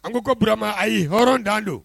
An kourama ayi ye hɔrɔn dan don